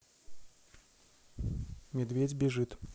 медведь бежит